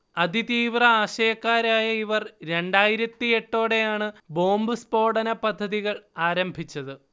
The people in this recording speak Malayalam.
അതി തീവ്ര ആശയക്കാരായ ഇവർ രണ്ടായിരത്തി എട്ടോടെയാണ് ബോംബ് സ്ഫോടനപദ്ധതികൾ ആരംഭിച്ചത്